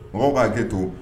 Mɔgɔw'a ji to